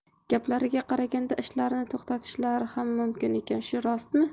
gaplariga qaraganda ishlarni to'xtatishlari ham mumkin ekan shu rostmi